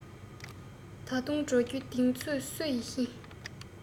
ད དུང འགྲོ རྒྱུའི གདེང ཚོད སུ ཡིས ཤེས